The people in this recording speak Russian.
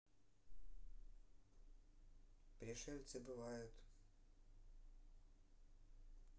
пришельцы бывают